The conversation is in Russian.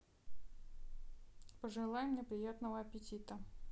пожелай мне приятного аппетита